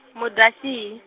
Mudyaxihi.